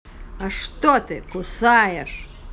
а что ты кусаешь